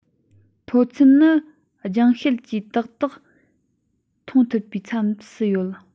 མཐོ ཚད ནི རྒྱང ཤེལ གྱིས ཏག ཏག མཐོང ཐུབ པའི མཚམས སུ ཡོད